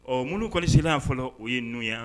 Ɔ mun kɔnisi fɔlɔ o ye numu ye